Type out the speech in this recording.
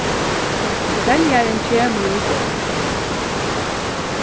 seljarin kemur í dag